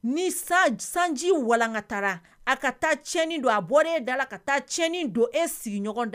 Ni san sanji walanka taara a ka taa tii don a bɔra e da la ka taa tii don e sigiɲɔgɔn da